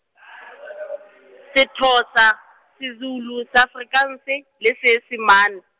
Sethosa, Sezulu Seaforikanse, le Seesimane.